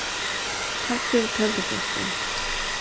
takk fyri teldupostin